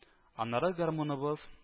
Аннары гармуныбыз